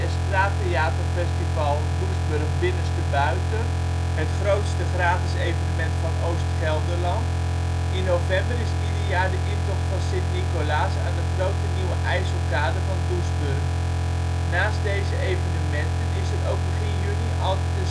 straattheaterfestival Doesburg Binnenste Buiten (grootste gratis evenement van oost-Gelderland), in november is ieder jaar de intocht van St. Nicolaas aan de grote nieuwe IJsselkade van Doesburg. Naast deze evenementen is er ook begin juni altijd een Sint-Maartensmaaltijd